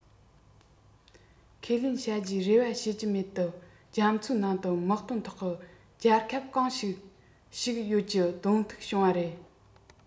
ཁས ལེན བྱ རྒྱུའི རེ བ བྱེད ཀྱི མེད དུ རྒྱ མཚོའི ནང དུ དམག དོན ཐོག གི རྒྱལ ཁབ གང ཞིག ཞིག ཡོད ཀྱི གདོང ཐུག བྱུང བ རེད